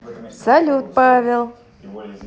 салют павел